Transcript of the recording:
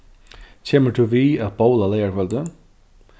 kemur tú við at bovla leygarkvøldið